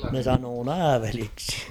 ne sanoi nääveliksi